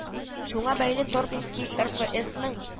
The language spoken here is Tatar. Шуңа бәйле Торбинский эРФээСның